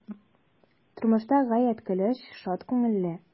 Тормышта гаять көләч, шат күңелле.